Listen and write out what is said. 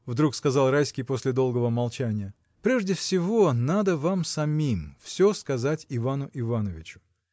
— вдруг сказал Райский после долгого молчания, — прежде всего надо вам самим всё сказать Ивану Ивановичу.